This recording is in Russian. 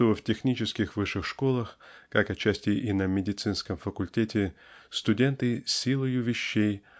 что в технических высших школах (как отчасти и на медицинском факультете) студенты силою вещей